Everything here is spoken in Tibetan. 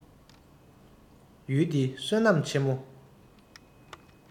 ཡུལ འདི བསོད ནམས ཆེན མོ